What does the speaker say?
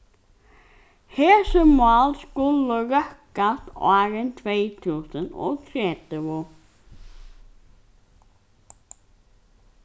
hesi mál skulu røkkast áðrenn tvey túsund og tretivu